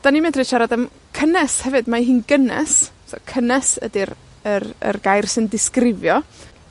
'Dan ni'n medru siarad am cynnes hefyd. Mae hi'n gynnes. So cynnes ydo'r yr yr gair sy'n disgrifio.